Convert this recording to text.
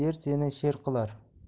yer seni sher qilar